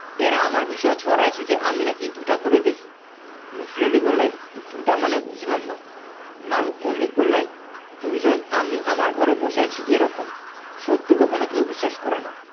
এরা আমার বিষয়ে ছড়ায় সে যে আমি নাকি দুইটা করে দেখি মিসির আলি বললেন দুটা মানে বুঝলাম না মল্লিক বলেন দুইজন আমি আমার ঘরে বসে আছি এরকম সত্য কখনো কেউ বিশ্বাস করে না